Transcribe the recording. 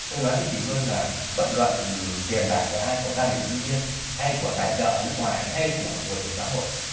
tôi nói với chị luôn là bất luận tiền bạc của ai của gia đình sinh viên hay của tài trợ nước ngoài hay của nguồn lực xã hội